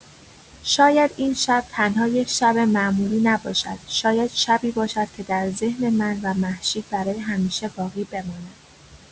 شاید این شب، تنها یک شب معمولی نباشد، شاید شبی باشد که در ذهن من و مهشید برای همیشه باقی بماند.